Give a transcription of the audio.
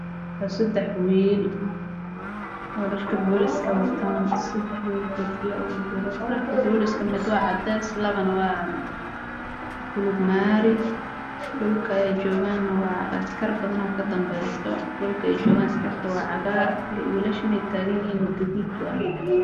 Sedax wiil oo dhar ka booliska wata